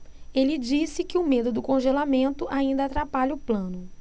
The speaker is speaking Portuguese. ele disse que o medo do congelamento ainda atrapalha o plano